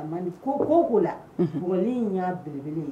A man di ko o ko la, bugɔli in y'a belebele ye.